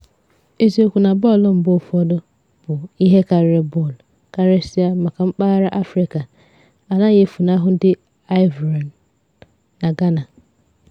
Eziokwu na bọọlụ mgbe ụfọdụ bụ "ihe karịrị bọọlụ", karịsịa maka Mpaghara Afrịka, anaghị efunahụ ndị Ivorian na Ghana.